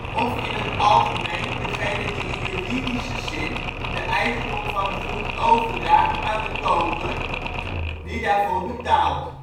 of in het algemeen degene die in juridische zin de eigendom van een goed overdraagt aan de koper, die daarvoor betaalt